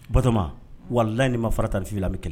Batoma walalan ni ma fara tan ni' la min